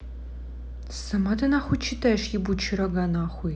сама ты нахуй читает ебучие рога нахуй